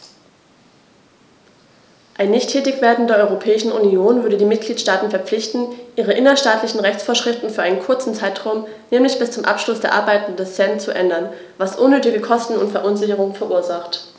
Ein Nichttätigwerden der Europäischen Union würde die Mitgliedstaten verpflichten, ihre innerstaatlichen Rechtsvorschriften für einen kurzen Zeitraum, nämlich bis zum Abschluss der Arbeiten des CEN, zu ändern, was unnötige Kosten und Verunsicherungen verursacht.